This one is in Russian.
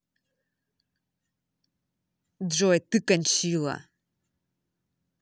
джой ты кончила